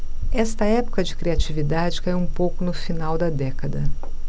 esta época de criatividade caiu um pouco no final da década